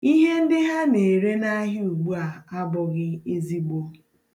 Ihe ndị ha na-ere n'ahịa ugbu a, abụghị ezigbo.